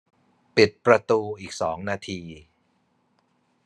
ปิดประตูอีกสองนาที